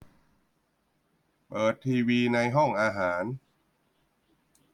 เปิดทีวีในห้องอาหาร